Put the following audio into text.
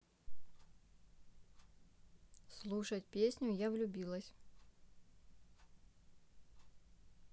слушать песню я влюбилась